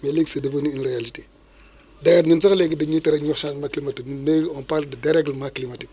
mais léegi c' est devenu une réalité d' ailleurs ñun sax léegi dañ ñuy tere ñu wax changement climatique ñun léegi on parle de dérèglement climatique